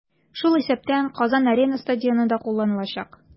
Шул исәптән "Казан-Арена" стадионы да кулланылачак.